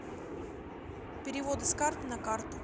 переводы с карты на карту